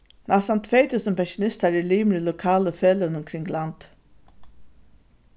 næstan tvey túsund pensjonistar eru limir í lokalu feløgunum kring landið